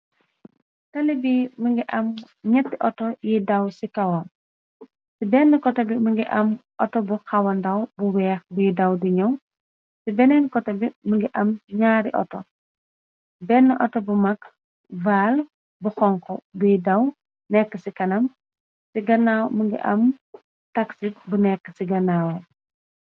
tali bi më ngi am ñetti auto yiy daw ci kawam ci benn kota bi më ngi am auto bu xawandaw bu weex buy daw diñoo ci beneen kota bi më ngi am ñaari auto benn auto bu mag vaal bu xonk buy daw nekk ci kanam ci ganaaw më ngi am taxi bu nekk ci ganaawe